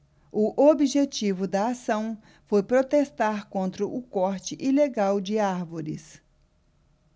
o objetivo da ação foi protestar contra o corte ilegal de árvores